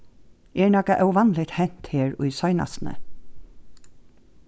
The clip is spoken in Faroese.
er nakað óvanligt hent her í seinastuni